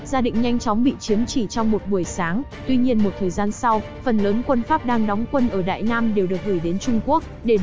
gia định nhanh chóng bị chiếm chỉ trong buổi sáng tuy nhiên thời gian sau phần lớn quân pháp ở đang đóng quân ở đại nam đều được gửi đến trung quốc